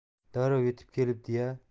darrov yetib kelibdi ya